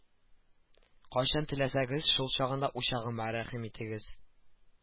Кайчан теләсәгез шул чагында учагыма рәхим итегез